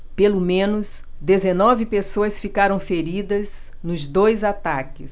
pelo menos dezenove pessoas ficaram feridas nos dois ataques